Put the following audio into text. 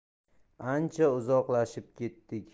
ancha uzoqlashib ketdik